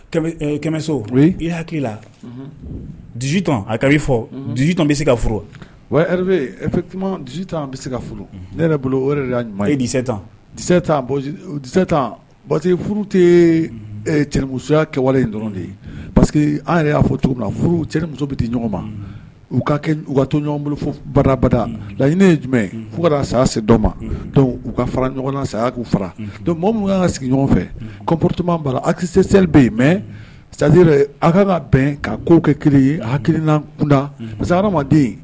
Kɛmɛso i la di a ka fɔ disi bɛ se ka furu bɛ se ka furu ne yɛrɛ bolo o tan tan parce que furu tɛmusoya kɛ wale in dɔrɔn de ye parce que an yɛrɛ y'a fɔ cogo na furu cɛmuso bɛ di ɲɔgɔn ma u ka to ɲɔgɔn bolobada la ne ye jumɛn fo ka saya se dɔ ma u ka fara ɲɔgɔn na saya k'u fara mɔgɔ min y' sigi ɲɔgɔn fɛ ko poroma akise seliri bɛ yen mɛ sa a ka ka bɛn ka ko kɛ ki ye hakiina kundadamaden